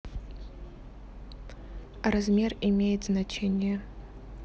размер имеет значение